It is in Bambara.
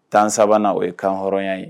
Tan sabanan na o ye kan hɔrɔnya ye